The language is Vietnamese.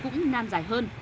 cũng nan giải hơn